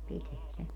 pitää se